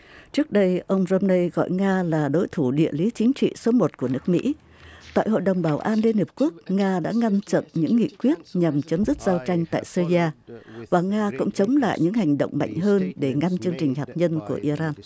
trước đây ông rôn ni gọi nga là đối thủ địa lý chính trị số một của nước mỹ tại hội đồng bảo an liên hiệp quốc nga đã ngăn chặn những nghị quyết nhằm chấm dứt giao tranh tại sê ri a và nga cũng chống lại những hành động mạnh hơn để ngăn chương trình hạt nhân của ia ran